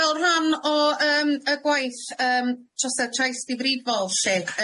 Fel rhan o yym y gwaith yym trosedd trais difrifol 'lly